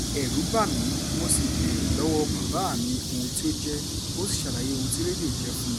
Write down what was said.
Ẹ̀rú bá mi mo sì béèrè lọ́wọ́ọ bàbáà mi ohun tí ó jẹ́, ó sì ṣàlàyé ohun tí rédíò jẹ́ fún mi.